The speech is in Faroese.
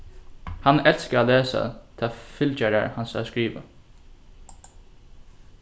hann elskar at lesa tað fylgjarar hansara skriva